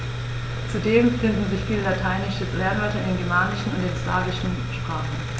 Zudem finden sich viele lateinische Lehnwörter in den germanischen und den slawischen Sprachen.